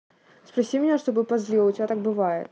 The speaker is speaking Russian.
спроси меня чтобы позлила у тебя так бывает